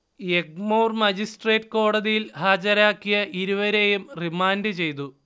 Egmore magistrate കോടതിയിൽ ഹാജരാക്കിയ ഇരുവരെയും റിമാൻഡ് ചെയ്തു